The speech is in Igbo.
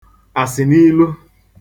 àsị̀nilu